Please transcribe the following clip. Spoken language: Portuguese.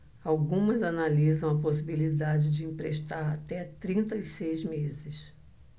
algumas analisam a possibilidade de emprestar até trinta e seis meses